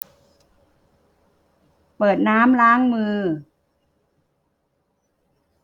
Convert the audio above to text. เปิดน้ำล้างมือ